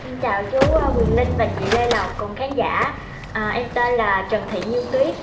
xin chào chú a quyền linh và chị lê lộc cùng khán giả à em tên là trần thị như tuyết